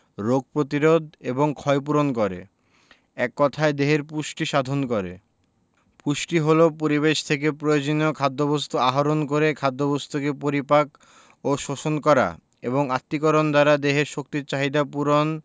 রোগ পতিরোধ এবং ক্ষয়পূরণ করে এক কথায় দেহের পুষ্টি সাধন করে পুষ্টি হলো পরিবেশ থেকে প্রয়োজনীয় খাদ্যবস্তু আহরণ করে খাদ্যবস্তুকে পরিপাক ও শোষণ করা এবং আত্তীকরণ দ্বারা দেহের শক্তির চাহিদা পূরণ